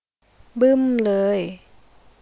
บึ้มเลย